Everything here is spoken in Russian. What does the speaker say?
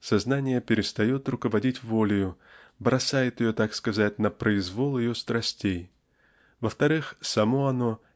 сознание перестает руководить волею бросает ее так сказать на произвол ее страстей во-вторых само оно